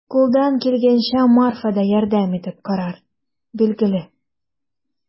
Кулдан килгәнчә Марфа да ярдәм итеп карар, билгеле.